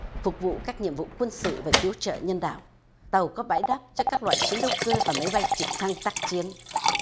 phục vụ các nhiệm vụ quân sự và cứu trợ nhân đạo tàu có bãi đáp cho các loại chiến đấu cơ và máy bay trực thăng tác chiến